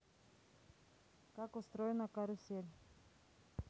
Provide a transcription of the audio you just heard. как устроена карусель